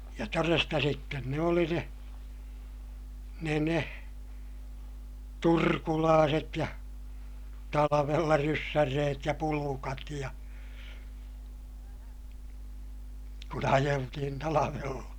ja todesta sitten ne oli ne ne ne turkulaiset ja talvella ryssän reet ja pulkat ja kun ajeltiin talvella